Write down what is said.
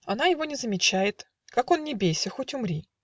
Она его не замечает, Как он ни бейся, хоть умри.